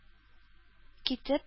Китеп